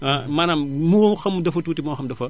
ah maanaam moo xam dafa tuuti moo xam dafa